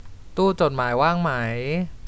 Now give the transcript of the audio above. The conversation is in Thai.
ตู้จดหมายว่างไหม